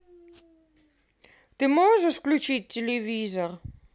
ты можешь включить телевизор